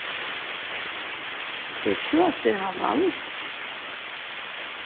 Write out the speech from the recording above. er kjøtið halal